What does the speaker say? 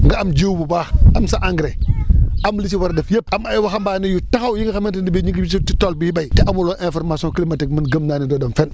nga am jiwu bu baax am sa engrais am li si war a def yëpp am ay waxambaane yu taxaw yi nga xamante ni bii ñu ngi jëm ci tool biy béy te amuloo information climatique man gën naa ne doo dem fenn